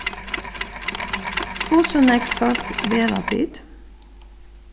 hvussu nógv fólk verða tit